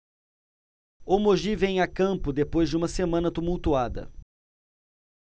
o mogi vem a campo depois de uma semana tumultuada